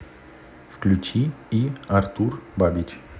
включи и артур бабич